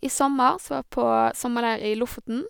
I sommer så var jeg på sommerleir i Lofoten.